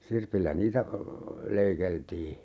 sirpillä niitä leikeltiin